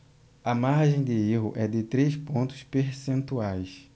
a margem de erro é de três pontos percentuais